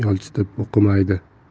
hech kim yolchitib o'qimaydi